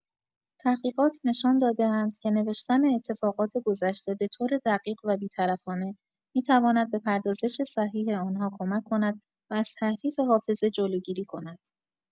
تحقیقات نشان داده‌اند که نوشتن اتفاقات گذشته به‌طور دقیق و بی‌طرفانه می‌تواند به پردازش صحیح آن‌ها کمک کند و از تحریف حافظه جلوگیری کند.